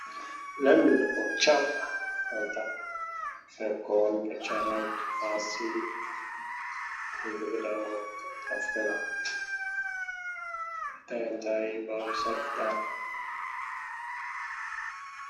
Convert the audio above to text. Meel oo jaam ah xataagan motafeko bajaaj waxaasi gabar jaakad cagaaran qabto oo taraafika ah